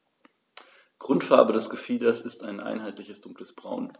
Grundfarbe des Gefieders ist ein einheitliches dunkles Braun.